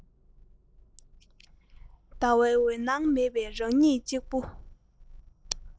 ཟླ བའི འོད སྣང མེད པས རང ཉིད གཅིག པུ